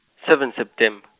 seven September.